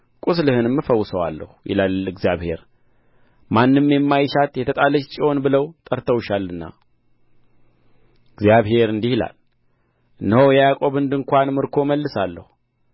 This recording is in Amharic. ቍስልህንም እፈውሳለሁ ይላል እግዚአብሔር ማንም የማይሻት የተጣለች ጽዮን ብለው ጠርተውሻልና እግዚአብሔር እንዲህ ይላል እነሆ የያዕቆብን ድንኳን ምርኮ እመልሳለሁ